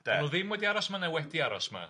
'de. Bod nhw ddim wedi aros yma, neu wedi aros 'ma?